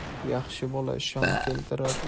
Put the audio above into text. yaxshi bola shon keltirar